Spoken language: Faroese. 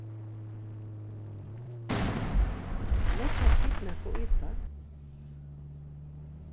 leggja tit nakað í tað